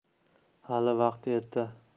hali vaqt erta